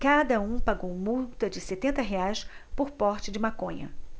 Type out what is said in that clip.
cada um pagou multa de setenta reais por porte de maconha